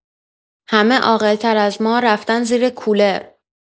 همه عاقل‌تر از ما رفتن زیر کولر.